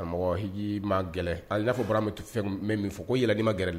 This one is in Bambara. Mɔgɔ h ma gɛlɛn hali n'a bɔra bɛ min fɔ ko yɛlɛli ma gɛlɛ